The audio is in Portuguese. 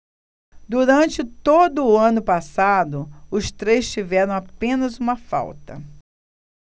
durante todo o ano passado os três tiveram apenas uma falta